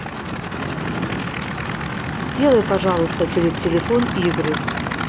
сделай пожалуйста через телефон игры